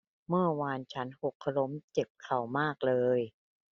เมื่อวานฉันหกล้มเจ็บเข่ามากเลย